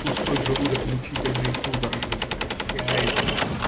Пустой желудок мучительно и судорожно сокращается